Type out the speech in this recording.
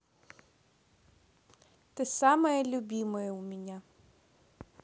ты самая любимая у меня